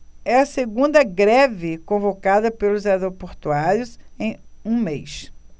é a segunda greve convocada pelos aeroportuários em um mês